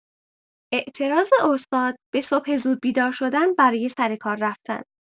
اعتراض استاد به صبح زود بیدار شدن برای سر کار رفتن